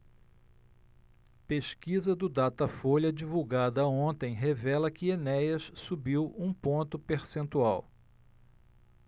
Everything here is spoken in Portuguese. pesquisa do datafolha divulgada ontem revela que enéas subiu um ponto percentual